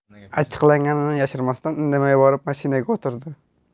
achchiqlanganini yashirmasdan indamay borib mashinaga o'tirdi